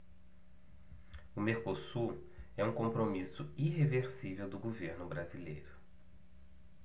o mercosul é um compromisso irreversível do governo brasileiro